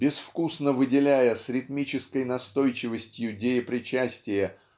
Безвкусно выделяя с ритмической настойчивостью деепричастие